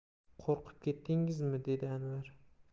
qo'rqib ketdingizmi dedi anvar